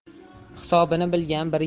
hisobini bilgan bir yil